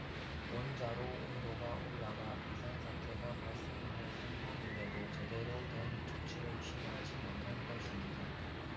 원자로 온도가 올라가 비상 사태가 발생하는 상황인데도 제대로 된 조치를 취하지 못한 것입니다